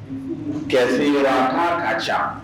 U cɛ sigiyɔrɔ ma ka ca